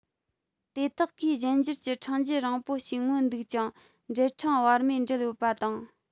དེ དག གིས གཞན འགྱུར གྱི ཕྲེང བརྒྱུད རིང པོ ཞིག མངོན འདུག ཅིང འབྲེལ ཕྲེང བར མས འབྲེལ ཡོད པ དང